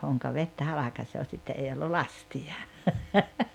honka vettä halkaisee sitten ei ollut lastia